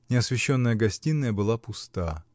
Неосвещенная гостиная была пуста.